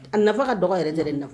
A nafa ka dɔgɔn yɛrɛ tɛ dɛ nafa